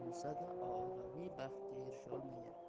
bo'lsa da oilaviy baxtga erisholmagan